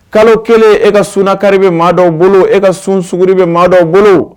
Kalo kelen e ka sunkari bɛ maa dɔw bolo e ka suns suguuguri bɛ maa dɔw bolo